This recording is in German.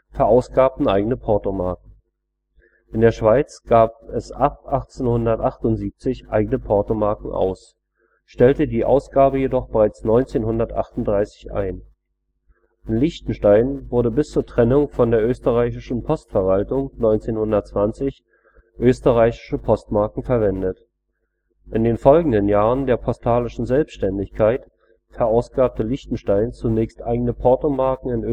verausgabten eigene Portomarken. Die Schweiz gab ab 1878 eigene Portomarken aus, stellte die Ausgabe jedoch bereits 1938 ein. In Liechtenstein wurden bis zur Trennung von der österreichischen Postverwaltung 1920 österreichische Portomarken verwendet. In den folgenden Jahren der postalischen Selbstständigkeit verausgabte Liechtenstein zunächst eigene Portomarken